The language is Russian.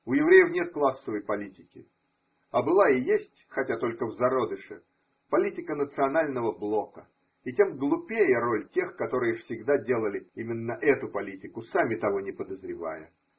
У евреев нет классовой политики, а была и есть (хотя только в зародыше) политика национального блока, и тем глупее роль тех, которые всегда делали именно эту политику, сами того не подозревая.